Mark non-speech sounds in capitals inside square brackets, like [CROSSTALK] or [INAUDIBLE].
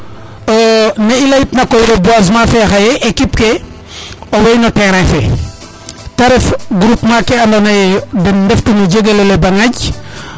kon fat i ngogorlu yo [HESITATION] ne i leyit na koy reboisement fe xaye équipe ke owey no terrain fe te ref groupement ke ando naye den ndefty nu jegelole Mbangaj